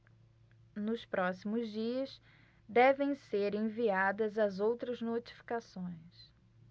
nos próximos dias devem ser enviadas as outras notificações